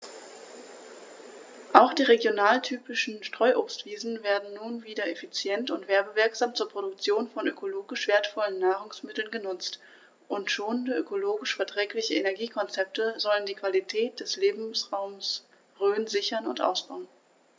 Auch die regionaltypischen Streuobstwiesen werden nun wieder effizient und werbewirksam zur Produktion von ökologisch wertvollen Nahrungsmitteln genutzt, und schonende, ökologisch verträgliche Energiekonzepte sollen die Qualität des Lebensraumes Rhön sichern und ausbauen.